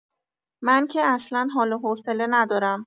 منکه اصلا حال و حوصله ندارم.